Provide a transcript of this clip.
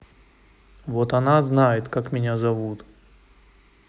вот она знает как меня зовут